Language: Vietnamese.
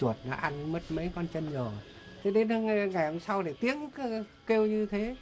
chuột nó ăn mất mấy ngón chân rồi thế đến ngày hôm sau thì tiếng kêu như thế